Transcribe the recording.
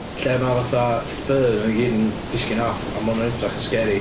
Lle ma' fatha fur nhw i gyd yn disgyn off a ma' hwnna'n edrych yn scary.